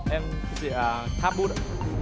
em thưa chị là tháp bút